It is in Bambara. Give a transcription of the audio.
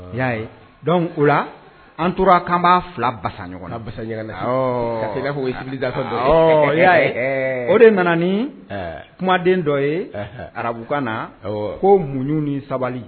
Y'a ye o la an tora kan b'a fila basa ɲɔgɔnsagɛ la a b'a fɔ ye ci daso dɔn y'a ye o de nana ni kumaden dɔ ye arabukan na ko muɲ ni sabali